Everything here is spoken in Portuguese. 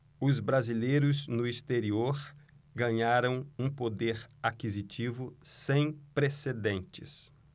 os brasileiros no exterior ganharam um poder aquisitivo sem precedentes